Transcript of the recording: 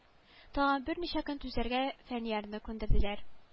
Тагын берничә көн түзәргә фәниярны күндерделәр